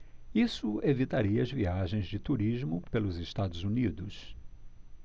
isso evitaria as viagens de turismo pelos estados unidos